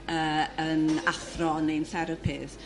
yrr yn athro neu'n therapydd.